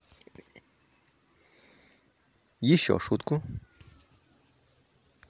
еще шутку